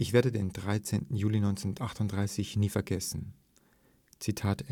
werde den 13. Juli 1938 nie vergessen. “Als